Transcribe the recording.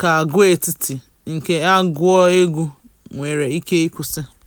ka agwaetiti ndị a gụọ egwu - nwere ike ịkwụsị.